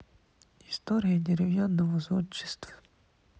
история деревянного зодчества